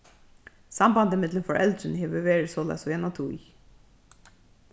sambandið millum foreldrini hevur verið soleiðis í eina tíð